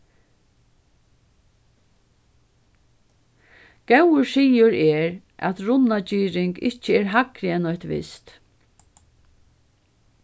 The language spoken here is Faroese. góður siður er at runnagirðing ikki er hægri enn eitt vist